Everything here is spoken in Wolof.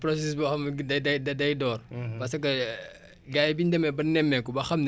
parce que gars yi bi ñi demee ba nemmeeku ba xam ne ba xam njëriñu kii bi